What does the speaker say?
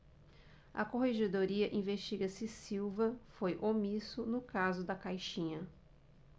a corregedoria investiga se silva foi omisso no caso da caixinha